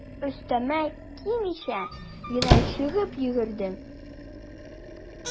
Өстемә кимичә генә чыгып йөгердем.